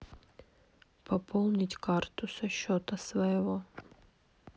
пополнить карту со счета своего